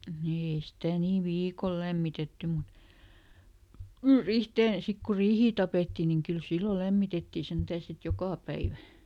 niin ei sitä niin viikolla lämmitetty mutta - riiheen sitten kun riihiä tapettiin niin kyllä silloin lämmitettiin sentään sitten joka päivä